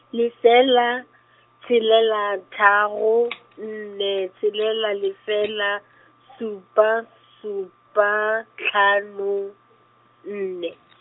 lefela, tshelela tharo , nne tshelela lefela, supa, supa, tlhano, nne .